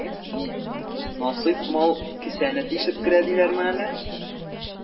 Насыйп мал кесәне тишеп керә диләрме әле?